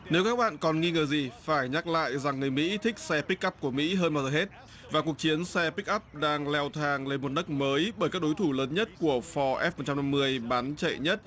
nếu các bạn còn nghi ngờ gì phải nhắc lại rằng người mỹ thích xe pích cắp của mỹ hơn bao giờ hết và cuộc chiến xe pích up đang leo thang lên một nấc mới bởi các đối thủ lớn nhất của pho ép một trăm năm mươi bán chạy nhất